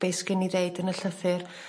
be' sgen 'i ddeud yn y llythyr.